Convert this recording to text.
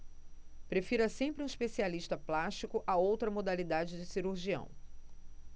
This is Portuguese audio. prefira sempre um especialista plástico a outra modalidade de cirurgião